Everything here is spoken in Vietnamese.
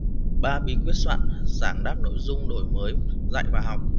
ba bí quyết soạn giảng đáp ứng nội dung đổi mới dạy và học